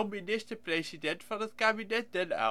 minister-president van het Kabinet-Den